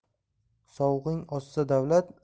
sovug'ing oshsa davlat